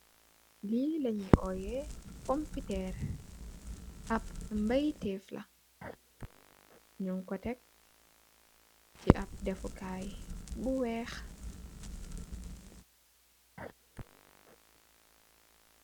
Li lañee óyeh pompitèèr ap mbaytef la, ñiñ ko tek ci ap defukai bu wèèx.